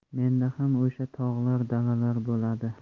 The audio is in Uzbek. menda ham o'sha tog'lar dalalar bo'ladi